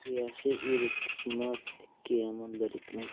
ikki yaxshi erikmas ikki yomon birikmas